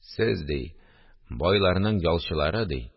– сез, – ди, – байларның ялчылары! – ди